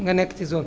nga nekk ci zone